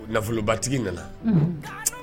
Nafolobatigi nana unhun kaanu